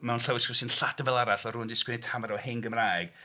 Mewn llawysgrif sy'n Lladin fel arall a rywun 'di 'sgwennu tamaid o hen Gymraeg.